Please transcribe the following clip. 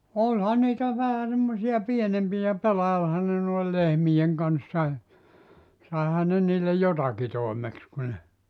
olihan niitä vähän semmoisia pienempiä pelailihan ne noin lehmien kanssa - saihan ne niille jotakin toimeksi kun ne